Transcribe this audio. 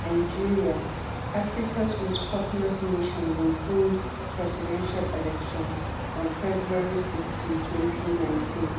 Nigeria, Africa's most populous nation, will hold presidential elections on February 16, 2019.